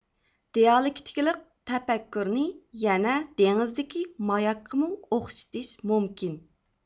دىئالېكتىكىلىق تەپەككۇرنى يەنە دېڭىزدىكى ماياكقىمۇ ئوخشىتىش مۇمكىن